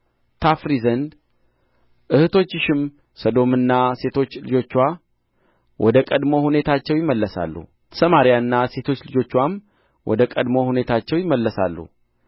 ታፍሪ ዘንድ እኅቶችሽም ሰዶምና ሴቶች ልጆችዋ ወደ ቀድሞ ሁኔታቸው ይመለሳሉ ሰማርያና ሴቶች ልጆችዋም ወደ ቀድሞ ሁኔታቸው ይመለሳሉ